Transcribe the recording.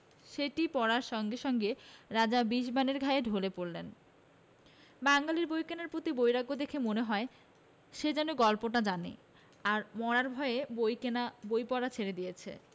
সেইটে পড়ার সঙ্গে সঙ্গে রাজা বিষবাণের ঘায়ে ঢলে পড়লেন বাঙালীর বই কেনার প্রতি বৈরাগ্য দেখে মনে হয় সে যেন গল্পটা জানে আর মরার ভয়ে বই কেনা বই পড়া ছেড়ে দিয়েছে